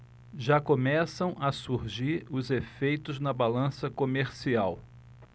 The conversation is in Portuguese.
já começam a surgir os efeitos na balança comercial